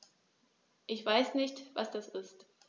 Ich weiß nicht, was das ist.